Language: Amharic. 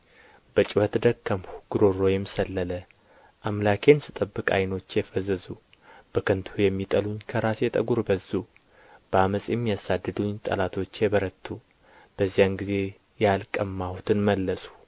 በጩኸት ደከምሁ ጕሮሮዬም ሰለለ አምላኬን ስጠብቅ ዓይኖቼ ፈዘዙ በከንቱ የሚጠሉኝ ከራሴ ጠጕር በዙ በዓመፅ ያሚያሳድዱኝ ጠላቶቼ በረቱ በዚያን ጊዜ ያልቀማሁትን መለስሁ